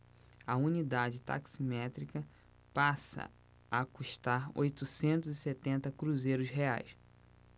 a unidade taximétrica passa a custar oitocentos e setenta cruzeiros reais